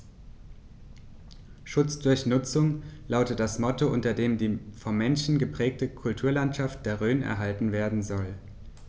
„Schutz durch Nutzung“ lautet das Motto, unter dem die vom Menschen geprägte Kulturlandschaft der Rhön erhalten werden soll.